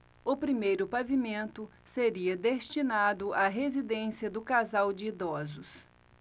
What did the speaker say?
o primeiro pavimento seria destinado à residência do casal de idosos